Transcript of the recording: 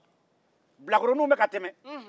bilakoronin bɛka tɛmɛ